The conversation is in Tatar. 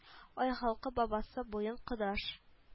Ай халкы бабасы буын кодаш